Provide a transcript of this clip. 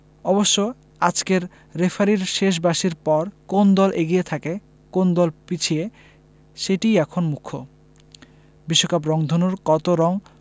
অবশ্য আজকের রেফারির শেষ বাঁশির পর কোন দল এগিয়ে থাকে কোন দল পিছিয়ে সেটিই এখন মুখ্য বিশ্বকাপ রংধনুর কত রং